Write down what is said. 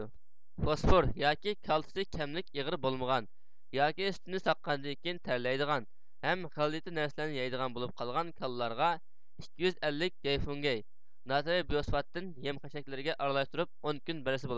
فوسفور ياكى كالتسىي كەملىك ئېغىر بولمىغان ياكى سۈتىنى ساغقاندىن كېيىن تەرلەيدىغان ھەم غەلىتە نەرسىلەرنى يەيدىغان بولۇپ قالغان كالىلارغا ئىككى يۈز ئەللىك گەيفۇڭگەي ناترىي بىفوسفاتتىن يەم خەشەكلىرىگە ئارىلاشتۇرۇپ ئون كۈن بەرسە بولىدۇ